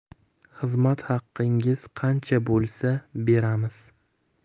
xizmat haqingiz qancha bo'lsa beramiz